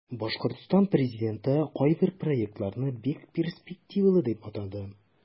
Башкортстан президенты кайбер проектларны бик перспективалы дип атады.